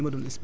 waa